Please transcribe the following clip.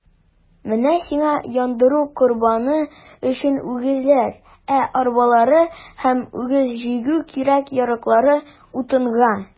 Менә сиңа яндыру корбаны өчен үгезләр, ә арбалары һәм үгез җигү кирәк-яраклары - утынга.